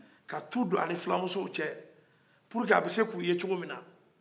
ka tu don a ni fulamusow cɛ puruke a bɛ se k'u ye cogo min na